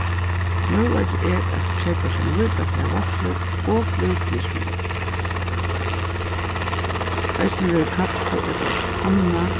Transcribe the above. møguleiki er at keypa sær nýbakaðar vaflur og flute við smør eisini verður kaffi ella okkurt annað